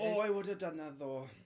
Oh, I would have done that though.